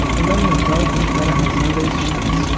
é fundamental buscar a razão da existência